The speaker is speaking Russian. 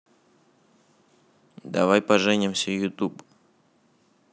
давай поженимся ютуб